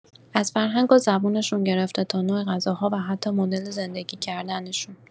از فرهنگ و زبونشون گرفته تا نوع غذاها و حتی مدل زندگی کردنشون.